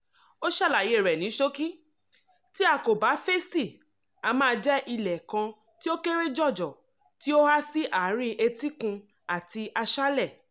Ó ṣàlàyé rẹ̀ ní ṣókí: "Tí a kò bá fèsì, a máa jẹ́ ilé kan tí ó kéré jọjọ tí ó há sí àárín etíkun àti aṣálẹ̀.